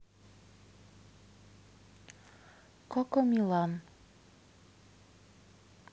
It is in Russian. коко милан